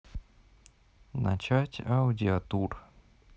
начать аудиотур